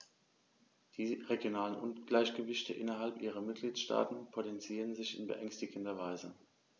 Die regionalen Ungleichgewichte innerhalb der Mitgliedstaaten potenzieren sich in beängstigender Weise.